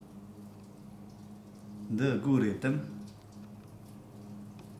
འདི སྒོ རེད དམ